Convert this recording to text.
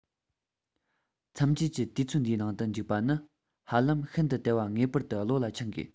མཚམས ཆད ཀྱི དུས ཚོད འདིའི ནང དུ འཇིག པ ནི ཧ ལམ ཤིན ཏུ དལ བ ངེས པར དུ བློ ལ འཆང དགོས